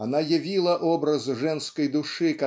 Она явила образ женской души